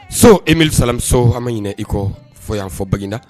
So eesalami ha ɲini iko fɔ y yan fɔ bangda